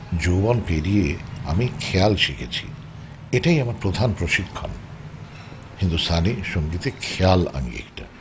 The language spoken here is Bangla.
যৌবন পেড়িয়ে আমি খেয়াল শিখেছি এটাই আমার প্রধান প্রশিক্ষণ হিন্দুস্তানি সংগীতে খেয়াল আমি একটা